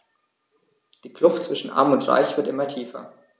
Die Kluft zwischen Arm und Reich wird immer tiefer.